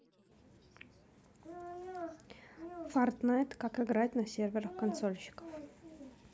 fortnite как играть на серверах консольщиков